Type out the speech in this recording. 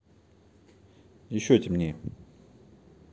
еще темнее